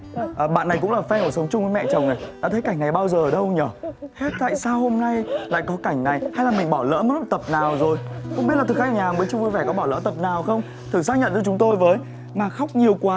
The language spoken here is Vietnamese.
bạn này cũng là phen của sống chung với mẹ chồng này à thế cảnh này bao giờ ở đâu nhở hết tại sao hôm nay lại có cảnh này hay là mình bỏ lỡ mất một tập nào rồi không biết là thực khách nhà hàng bữa trưa vui vẻ có bỏ lỡ tập nào không thử xác nhận cho chúng tôi với mà khóc nhiều quá